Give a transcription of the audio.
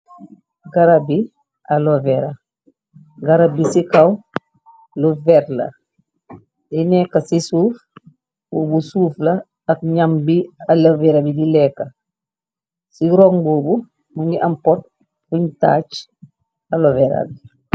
Garabi alovera, garab bi ci kaw lu vert la. Lu nekka ci suuf bo bi suuf la ak nyam bi alovera bi di lekka. Ci ron bo bu mungi am hoop bun taaj alovera bi.